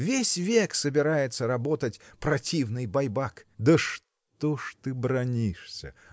Весь век собирается работать противный байбак. -- Да что ж ты бранишься!